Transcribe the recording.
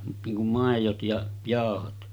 niin kuin maidot ja jauhot